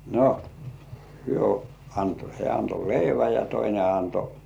no hän antoi hän antoi leivän ja toinen antoi